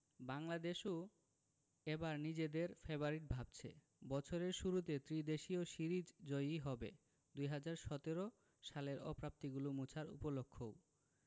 বাংলাদেশও এবার নিজেদের ফেবারিট ভাবছে বছরের শুরুতে ত্রিদেশীয় সিরিজ জয়ই হবে ২০১৭ সালের অপ্রাপ্তিগুলো মোছার উপলক্ষও